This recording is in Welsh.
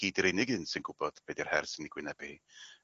hi 'di'r unig un sy'n gwbod be' 'di'r her sy'n 'i gwynebu hi.